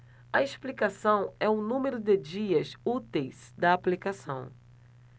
a explicação é o número de dias úteis da aplicação